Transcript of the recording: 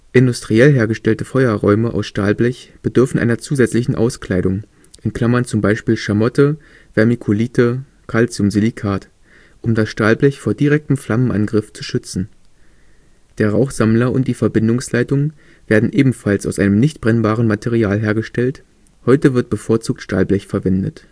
Industriell hergestellte Feuerräume aus Stahlblech bedürfen einer zusätzlichen Auskleidung (z. B. Schamotte, Vermiculite, Kalziumsilikat) um das Stahlblech vor direktem Flammenangriff zu schützen. Der Rauchsammler und die Verbindungsleitung werden ebenfalls aus einem nichtbrennbaren Material hergestellt, heute wird bevorzugt Stahlblech verwendet